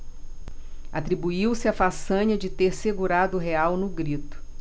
atribuiu-se a façanha de ter segurado o real no grito